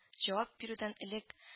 Җавап бирүдән элек